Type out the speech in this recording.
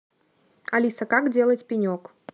алиса как делать пенек